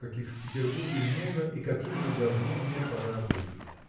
каких в Петербурге много и каким бы давно мне пора быть.